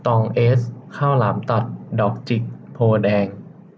ตองเอซข้าวหลามตัดดอกจิกโพธิ์แดง